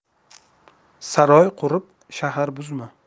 saroy qurib shahar buzma